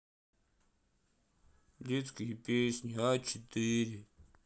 детские песни а четыре